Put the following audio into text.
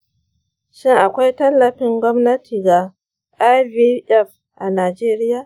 shin akwai tallafin gwamnati ga ivf a najeriya?